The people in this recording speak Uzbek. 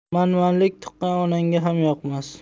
manmanlik tuqqan onangga ham yoqmas